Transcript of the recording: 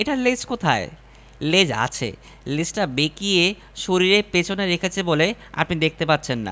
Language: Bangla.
ঐ দিকেও লক্ষ রাখবেন এ দিকে কুমীরের খবর হল ঢাকা চিড়িয়াখানা কর্তৃপক্ষ কুমির ভাড়া দিতে রাজী নন